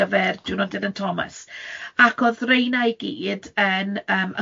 gyfer Diwrnod Dylan Thomas, ac oedd rheina i gyd yn yym